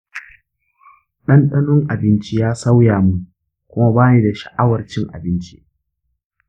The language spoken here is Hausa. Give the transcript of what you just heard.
ɗanɗanon abinci ya sauya mun kuma ba ni da sha'awar cin abinci.